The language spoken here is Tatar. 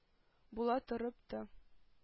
Була торып та,